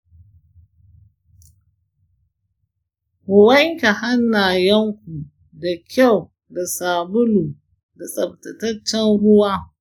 ku wanke hannayenku da kyau da sabulu da tsafataccen ruwa.